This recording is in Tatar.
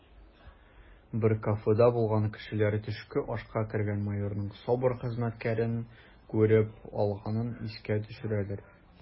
Бер кафеда булган кешеләр төшке ашка кергән майорның СОБР хезмәткәрен күреп алганын искә төшерәләр: